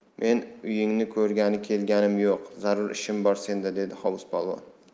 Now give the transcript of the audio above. men uyingni ko'rgani kelganim yo'q zarur ishim bor senda dedi hovuz polvon